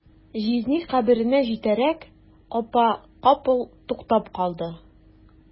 Җизни каберенә җитәрәк, апа капыл туктап калды.